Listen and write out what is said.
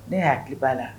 Ne hakili b'a la